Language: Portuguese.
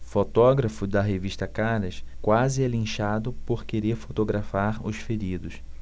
fotógrafo da revista caras quase é linchado por querer fotografar os feridos